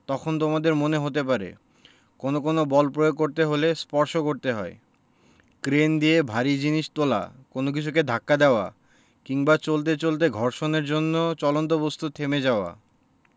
তখন তোমাদের মনে হতে পারে কোনো কোনো বল প্রয়োগ করতে হলে স্পর্শ করতে হয় ক্রেন দিয়ে ভারী জিনিস তোলা কোনো কিছুকে ধাক্কা দেওয়া কিংবা চলতে চলতে ঘর্ষণের জন্য চলন্ত বস্তুর থেমে যাওয়া